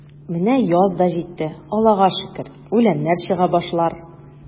Менә яз да житте, Аллага шөкер, үләннәр чыга башлар.